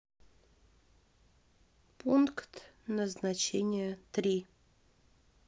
пункт назначения три